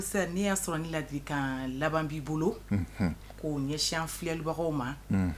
N'i y'a sɔrɔ' i ladi ka laban b'i bolo ko'o ɲɛsi filibagaw ma